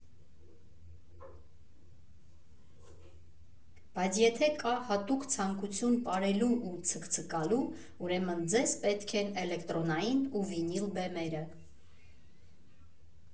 Բայց եթե կա հատուկ ցանկություն պարելու ու ցկցկալու, ուրեմն ձեզ պետք են Էլեկտրոնային ու Վինիլ բեմերը։